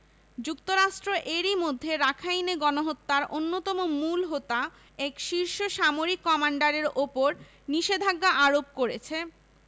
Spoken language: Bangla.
যুক্তরাষ্ট্র এরই মধ্যে রাখাইনে গণহত্যার অন্যতম মূল হোতা এক শীর্ষ সামরিক কমান্ডারের ওপর নিষেধাজ্ঞা আরোপ করেছে